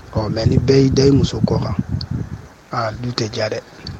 Ɔ mɛ ni bɛɛ y'i da i muso kɔ kan du tɛ ja dɛ